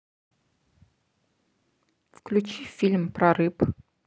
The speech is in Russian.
включи фильм про рыб